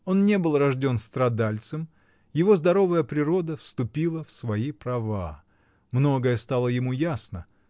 Он не был рожден страдальцем; его здоровая природа вступила в свои права. Многое стало ему ясно